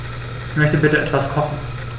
Ich möchte bitte etwas kochen.